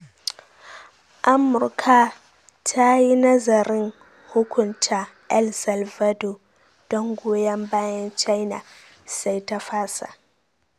Amurka Ta yi Nazarin Hukunta El Salvador Don Goyon Bayan China, Sai ta Fasa